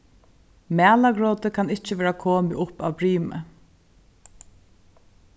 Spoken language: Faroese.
malargrótið kann ikki vera komið upp av brimi